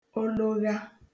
ologha